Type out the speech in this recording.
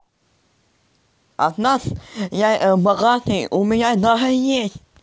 от нас что я богатый у меня есть даже это